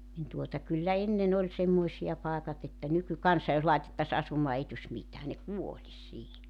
niin tuota kyllä ennen oli semmoisia paikat että nykykansa jos laitettaisiin asumaan ei tulisi mitään ne kuolisi siihen